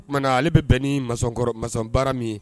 O tumaumana na ale bɛ bɛn ni makɔrɔ masabaa min ye